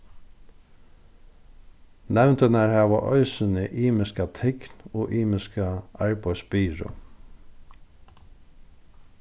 nevndirnar hava eisini ymiska tign og ymiska arbeiðsbyrðu